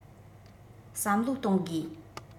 བསམ བློ གཏོང དགོས